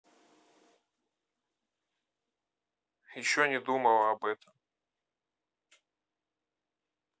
еще не думала об этом